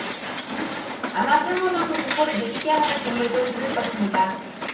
아마 상어만큼 공포를 느끼게 하는 동물도 드물 것입니다